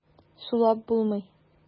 Сулап булмый.